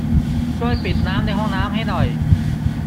ช่วยปิดน้ำในห้องน้ำให้หน่อย